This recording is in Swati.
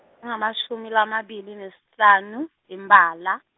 ngemashumi lamabili nesihlanu, iMphala.